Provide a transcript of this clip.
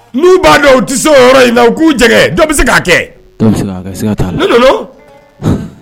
N'u b'a u tɛ se o yɔrɔ in u k'u jɛ dɔ bɛ se k'a kɛ